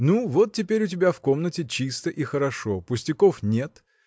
– Ну, вот теперь у тебя в комнате чисто и хорошо: пустяков нет